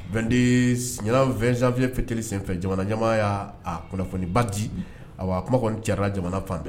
Bɛnden2 zanyɛfɛtiri senfɛ jamana caman y'a kunnafonibaji kuma kɔni cayara jamana fan bɛɛ